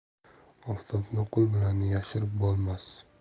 oftobni qo'l bilan yashirib bo'lmas